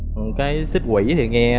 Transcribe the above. cái xích quỷ thì nghe